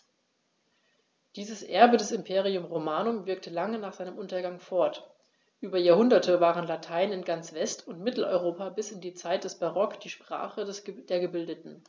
Dieses Erbe des Imperium Romanum wirkte lange nach seinem Untergang fort: Über Jahrhunderte war Latein in ganz West- und Mitteleuropa bis in die Zeit des Barock die Sprache der Gebildeten.